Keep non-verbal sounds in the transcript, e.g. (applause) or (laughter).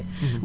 (hesitation) (hesitation)